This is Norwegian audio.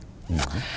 ja.